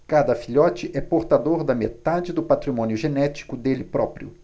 cada filhote é portador da metade do patrimônio genético dele próprio